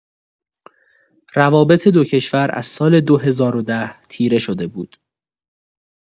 روابط دو کشور از سال ۲۰۱۰ تیره شده بود.